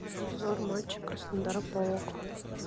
обзор матча краснодар паок